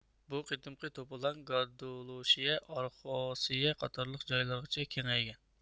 بۇ قېتىمقى توپىلاڭ گادلوشىيە ئاراخوسىيە قاتارلىق جايلارغىچە كېڭەيگەن